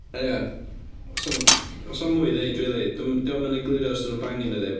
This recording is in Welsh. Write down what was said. Ie does 'na- does 'na ddim mwy i ddeud rili, dydi o ddim yn egluro os 'di nhw'n bangio neu ddim.